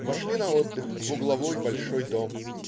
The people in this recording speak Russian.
Вошли на отдых в угловой, большой дом.